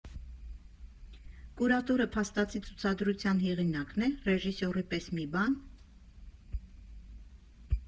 Կուրատորը փաստացի ցուցադրության հեղինա՞կն է, ռեժիսորի պես մի բա՞ն։